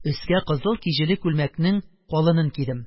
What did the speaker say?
Өскә кызыл киҗеле күлмәкнең калынын кидем.